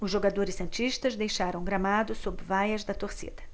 os jogadores santistas deixaram o gramado sob vaias da torcida